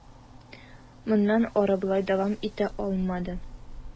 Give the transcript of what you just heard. Моннан ары болай дәвам итә алмады.